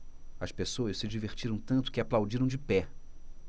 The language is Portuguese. as pessoas se divertiram tanto que aplaudiram de pé